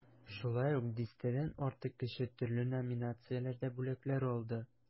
Шулай ук дистәдән артык кеше төрле номинацияләрдә бүләкләр алды.